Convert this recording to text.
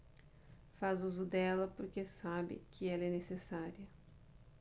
faz uso dela porque sabe que ela é necessária